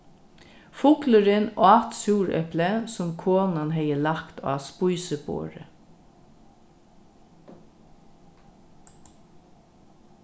fuglurin át súreplið sum konan hevði lagt á spísiborðið